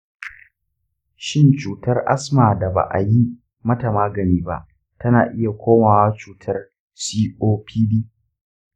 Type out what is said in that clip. shin cutar asma da ba a yi mata magani ba tana iya komawa zuwa cutar copd?